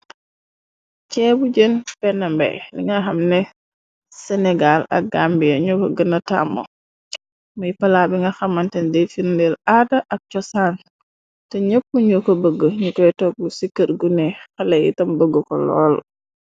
Cheebu jën penambe li nga xam ne senegal ak gambiya ño ko gëna tammo. Muy pala bi nga xamanten di firndeel aada ak cosaan. Te ñepp ñu ko bëgg ñu koy togg ci kër gune xale yitam bëgg ko lool.